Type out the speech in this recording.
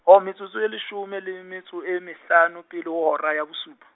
o metsotso e leshome le metso e mehlano pele ho hora ya bosupa.